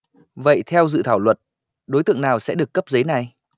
vậy theo dự thảo luật đối tượng nào sẽ được cấp giấy này